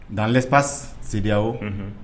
Dan lep sen o